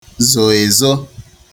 zò èzo